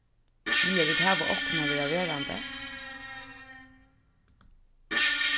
vilja tit hava okkum at verða verandi